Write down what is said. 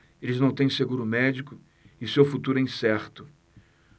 eles não têm seguro médico e seu futuro é incerto